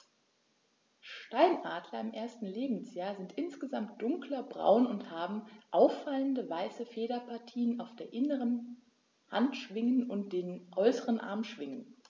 Steinadler im ersten Lebensjahr sind insgesamt dunkler braun und haben auffallende, weiße Federpartien auf den inneren Handschwingen und den äußeren Armschwingen.